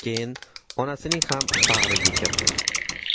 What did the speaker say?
keyin onasining ham bag'riga kirdi